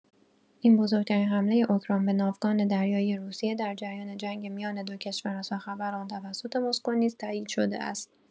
این بزرگ‌ترین حمله اوکراین به ناوگان دریایی روسیه در جریان جنگ میان دو کشور است و خبر آن توسط مسکو نیز تایید شده است.